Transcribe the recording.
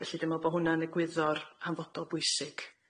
Felly dwi me'wl bo' hwnna'n egwyddor hanfodol bwysig.